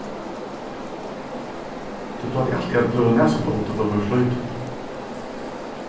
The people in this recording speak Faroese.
tú plagdi altíð at bløða nasablóð tá tú vart lítil